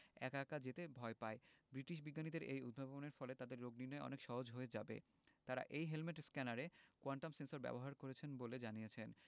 একা একা যেতে ভয় পায় ব্রিটিশ বিজ্ঞানীদের এই উদ্ভাবনের ফলে তাদের রোগনির্নয় অনেক সহজ হয়ে যাবে তারা এই হেলমেট স্ক্যানারে কোয়ান্টাম সেন্সর ব্যবহার করেছেন বলে জানিয়েছেন